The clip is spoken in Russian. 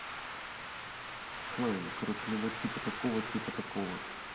slime короче ну вот типа такого типа такого